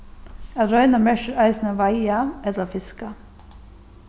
at royna merkir eisini at veiða ella fiska